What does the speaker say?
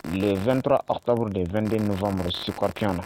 Tile2t hatauru de2denfaru sukatiy na